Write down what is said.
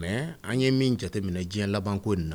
An ye min jateminɛ diɲɛ labanko na